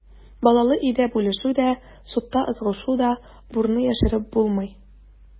Балалы өйдә бүлешү дә, судта ызгышу да, бурны яшереп булмый.